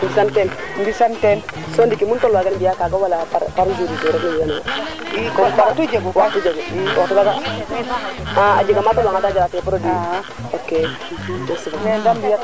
i soɓidin mene xaye koy i mbaxtaan fo ten ku farna no ndoka noong ndiing wala parce que avant o roka no ndiing aussi no tigo eta parce que waagiro waago jinda jind aussi wan wa inoox bo rook fe demba o bugo unoox bugo